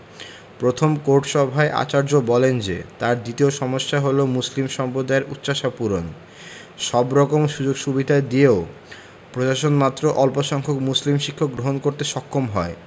প্রথম কোর্ট সভায় আচার্য বলেন যে তাঁর দ্বিতীয় সমস্যা হলো মুসলিম সম্প্রদায়ের উচ্চাশা পূরণ সব রকম সুযোগসুবিধা দিয়েও প্রশাসন মাত্র অল্পসংখ্যক মুসলিম শিক্ষক সংগ্রহ করতে সক্ষম হয়